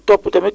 d' accord